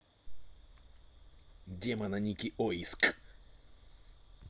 демона ники оиск